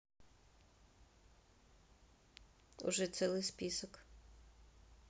уже целый список